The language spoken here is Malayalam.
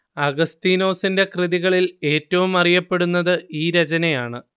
അഗസ്തീനോസിന്റെ കൃതികളിൽ ഏറ്റവും അറിയപ്പെടുന്നത് ഈ രചനയാണ്